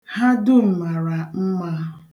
Ha dum mara mma.